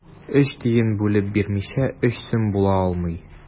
Өч тиен бүлеп бирмичә, өч сум була алмый.